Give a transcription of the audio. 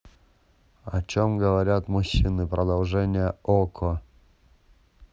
о чем говорят мужчины продолжение око